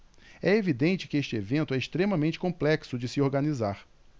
é evidente que este evento é extremamente complexo de se organizar